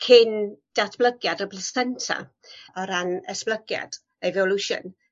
cyn datblygiad y blasenta o ran esblygiad, evolution.